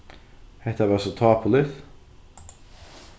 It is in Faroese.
hetta var so tápuligt